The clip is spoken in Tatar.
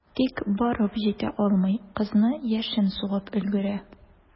Тик барып җитә алмый, кызны яшен сугып өлгерә.